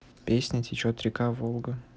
песня течет река волга